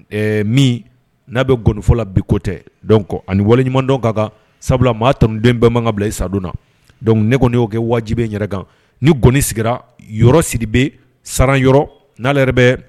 Min n'a bɛ gonifɔ la biko tɛ ani wale ɲumanɲuman ka sabula maa tden bɛɛ man bila i sadon na dɔnku ne kɔni y'o kɛ wajibibe in yɛrɛ kan ni gɔni sigira yɔrɔ siri bɛ san yɔrɔ n'a yɛrɛ bɛ